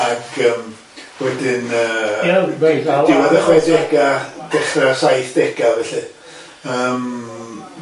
ag yym wedyn yy yy diwedd y chwedegau dechra'r saithdega felly yym.